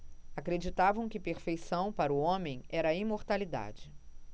acreditavam que perfeição para o homem era a imortalidade